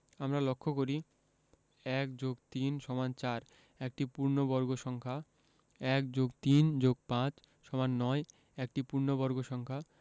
আমরা লক্ষ করি ১+৩=৪ একটি পূর্ণবর্গ সংখ্যা ১+৩+৫=৯ একটি পূর্ণবর্গ সংখ্যা